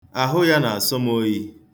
Ahụ ya na-asọ m oyi.